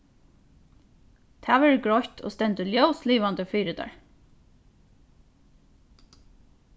tað verður greitt og stendur ljóslivandi fyri tær